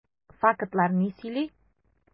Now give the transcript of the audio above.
Фактлар ни сөйли?